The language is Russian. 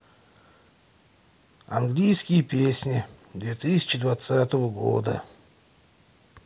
английские песни две тысячи двадцатого года